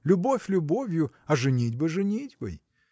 Любовь любовью, а женитьба женитьбой